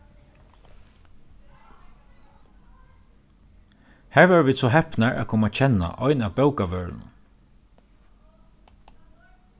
har vóru vit so hepnar at koma at kenna ein av bókavørðunum